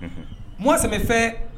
Mɔn sɛmɛ fɛ